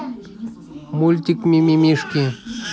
мультик ми ми мишки